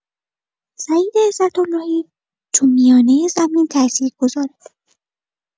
سعید عزت‌اللهی تو میانه زمین تاثیرگذاره.